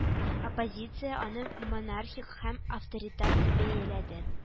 Оппозиция аны монархик һәм авторитар дип бәяләде